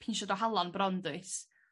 pinsiad o halan bron does?